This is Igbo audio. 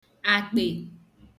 àkpè